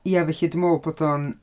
Ie felly dwi'n meddwl bod o'n...